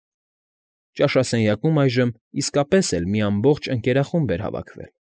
Ճաշասենյակում այժմ իսկապես էլ մի ամբողջ ընկերախումբ էր հավաքվել։